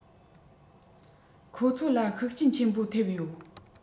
ཁོ ཚོ ལ ཤུགས རྐྱེན ཆེན པོ ཐེབས ཡོད